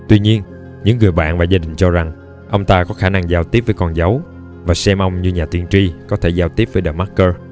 tuy nhiên những người bạn và gia đình cho rằng ông ta có khả năng giao tiếp với con dấu và xem ông như nhà tiên tri có thể giao tiếp với the marker